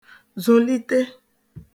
zụ̀lite